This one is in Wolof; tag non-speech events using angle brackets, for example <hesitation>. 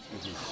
<hesitation> <hesitation>